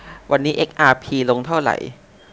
วันนี้เอ็กอาร์พีลงเท่าไหร่